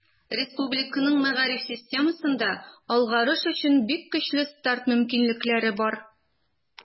Республиканың мәгариф системасында алгарыш өчен бик көчле старт мөмкинлекләре бар.